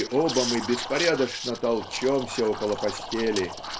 и оба мы беспорядочно толчемся около постели